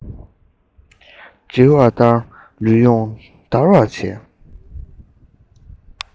འགྲིལ བ ལྟར ལུས ཡོངས འདར བར བྱས